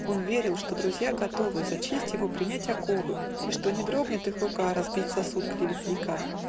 Он верил, что друзья готовы За честь его приять оковы И что не дрогнет их рука Разбить сосуд клеветника